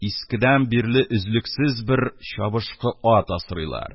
Искедән бирле өзлексез бер «чабышкы» ат асрыйлар,